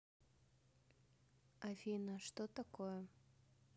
афина что такое